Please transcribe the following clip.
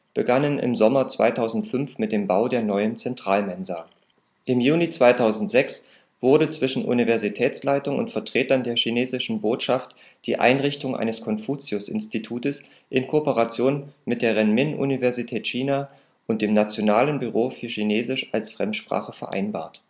begannen im Sommer 2005 mit dem Bau der neuen Zentralmensa. Im Juni 2006 wurde zwischen Universitätsleitung und Vertretern der chinesischen Botschaft die Einrichtung eines Konfuzius-Institutes in Kooperation mit der Renmin-Universität China und dem „ Nationalen Büro für Chinesisch als Fremdsprache “vereinbart